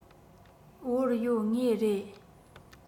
བོར ཡོད ངེས རེད